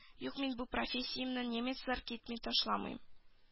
Юк мин бу профессиямне немецлар китми ташламыйм